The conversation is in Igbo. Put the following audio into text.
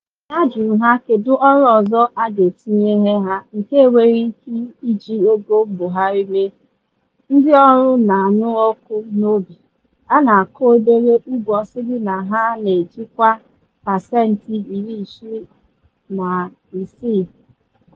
Mgbe a jụrụ ha kedu ọrụ ọzọ a ga-etinyere ha nke enwere ike iji ego mbugharị mee, ndị ọrụ na-anụ ọkụ n'obi a na-akwụ obere ụgwọ sịrị na ha na-echekwa paseniti 65%.